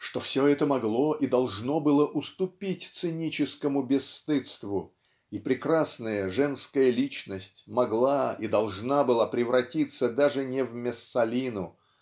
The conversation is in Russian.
что все это могло и должно было уступить циническому бесстыдству и прекрасная женская личность могла и должна была превратиться даже не в Мессалину